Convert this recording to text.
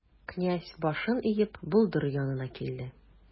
Князь, башын иеп, болдыр янына килде.